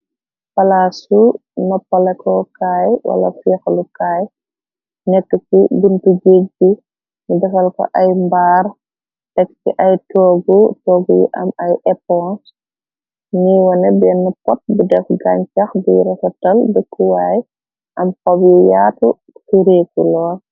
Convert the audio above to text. Palaasu noppala kokaay wala feeklukaay nekk ci buntu gegg gi nyu defal ko ay mbaar tekksi ay toogu toogu yu am ay apons nyu wane benn pot bu def gañ chax bui refatal dëkkuwaay am xob yu yaatu ci réeku loor.